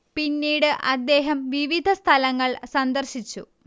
പിന്നീട് അദ്ദേഹം വിവിധ സ്ഥലങ്ങൾ സന്ദർശിച്ചു